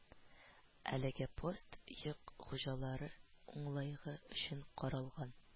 Әлеге пост йөк хуҗалары уңайлыгы өчен каралган